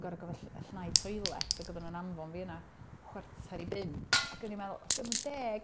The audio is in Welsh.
Gorod gorfod llnau toilet, ac oeddan nhw'n anfon fi yna chwarter i 5, ac o'n meddwl, "o dio'm yn deg".